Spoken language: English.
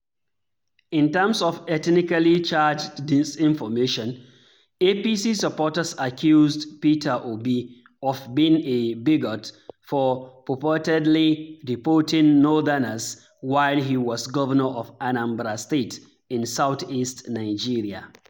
In terms of ethnically-charged disinformation, some APC supporters accused Obi of being a bigot for purportedly deporting northerners while he was governor of Anambra State, in southeast Nigeria.